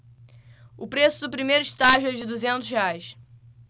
o preço do primeiro estágio é de duzentos reais